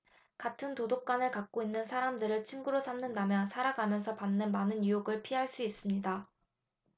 같은 도덕관을 갖고 있는 사람들을 친구로 삼는다면 살아가면서 받는 많은 유혹을 피할 수 있습니다